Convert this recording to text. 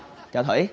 chào thủy